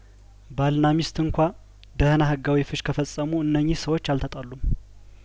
ባልና ሚስት እንኳ ደህና ህጋዊ ፍች ከፈጸሙ እነኝህ ሰዎች አልተጣሉም